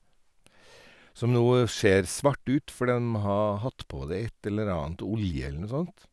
Som nå ser svart ut, for dem har hatt på det et eller annet, olje eller noe sånt.